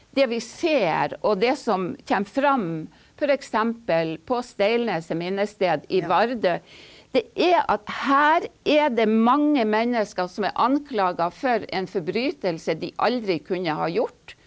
det vi ser og det som kommer fram f.eks. på Steilneset minnested i Vardø, det er at her er det mange mennesker som er anklaga for en forbrytelse de aldri kunne ha gjort.